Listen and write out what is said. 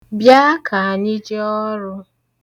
Bịa ka anyị jee ọrụ.